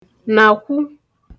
nàkwu